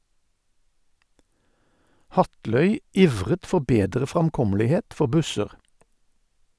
Hatløy ivret for bedre framkommelighet for busser.